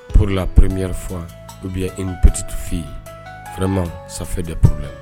Purla purmeyri fɔ ubi e ptitufin yen fɛrɛma sanfɛ de puru la